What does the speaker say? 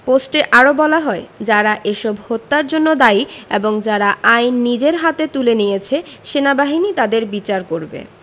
পোস্টে আরো বলা হয় যারা এসব হত্যার জন্য দায়ী এবং যারা আইন নিজের হাতে তুলে নিয়েছে সেনাবাহিনী তাদের বিচার করবে